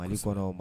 Mali kɔrɔ